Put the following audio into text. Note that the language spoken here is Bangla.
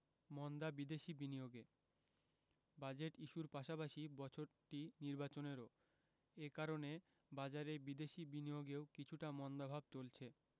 মন্দা বিদেশি বিনিয়োগে বাজেট ইস্যুর পাশাপাশি বছরটি নির্বাচনেরও এ কারণে বাজারে বিদেশি বিনিয়োগেও কিছুটা মন্দাভাব চলছে